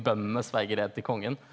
bøndene sverger ed til kongen.